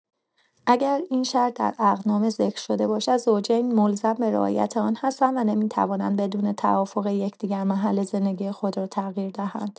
اگر این شرط در عقدنامه ذکر شده باشد، زوجین ملزم به رعایت آن هستند و نمی‌توانند بدون توافق یکدیگر، محل زندگی خود را تغییر دهند.